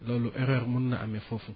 loolu erreur mun na amee foofu